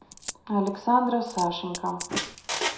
александра сашенька